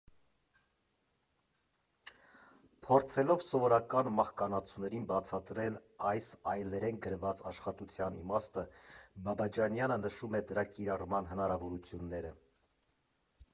Փորձելով սովորական մահկանացուներին բացատրել այս այլերեն գրված աշխատության իմաստը, Բաբաջանյանը նշում է դրա կիրառման հնարավորությունները.